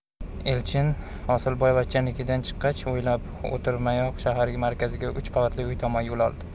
elchin hosilboyvachchanikidan chiqqach o'ylab o'tirmayoq shahar markazidagi uch qavatli uy tomon yo'l oldi